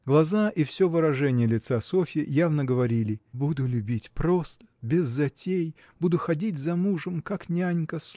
Глаза и все выражение лица Софьи явно говорили Я буду любить просто без затей буду ходить за мужем как нянька